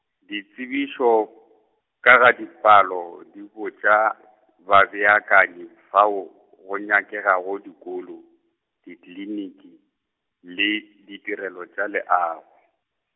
ditsebišo, ka ga dipalo di botša babeakanyi fao, go nyakegago dikolo, dikliniki, le ditirelo tša leago.